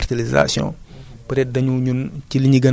amandement ak fertilisation